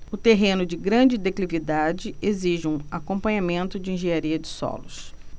o terreno de grande declividade exige um acompanhamento de engenharia de solos